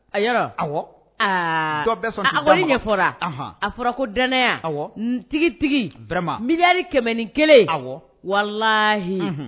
A yɔrɔ, awɔ, aa a kɔni ɲɛfɔɔra, a fɔra ko dannaya, awɔ, nin tigitigi, vraiment miliyari kɛmɛ ni kelen, awɔ, walahi, unhun